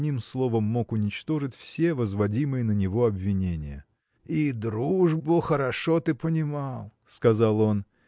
одним словом мог уничтожить все взводимые на него обвинения. – И дружбу хорошо ты понимал – сказал он